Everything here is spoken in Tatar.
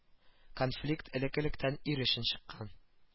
Конфликт элек-электән ир өчен чыккан